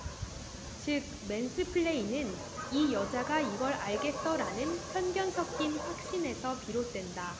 즉 맨스플레인은 이 여자가 이걸 알겠어 라는 편견 섞인 확신에서 비롯된다